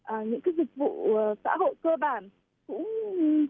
ờ những cái dịch vụ xã hôi cơ bản cũng